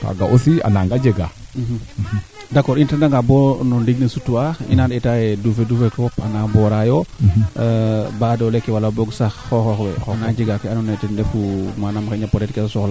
xalaat iro yee nu ndet anga boo ndoq na saxada le xoxox we a mbar a mbaago ngenooxa a ndeet ndax ndiing ne a maya a teɓ bon a teɓake a demo'ooru fo yee ndiing ne deɓ na a teɓake kat neeke ndemo'ooru